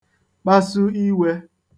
kpasu iwē